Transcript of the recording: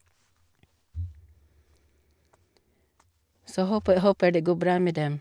Så håpe håper det går bra med dem.